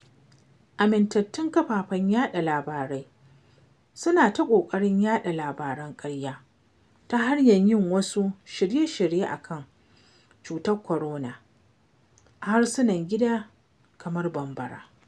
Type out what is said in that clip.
Amintattun kafafen yaɗa labarai suna ta ƙoƙarin yaƙar labaran ƙarya, ta hanyar yin wasu shirye-shirye a kan cutar Kwarona a harsunan gida kamar #bambara.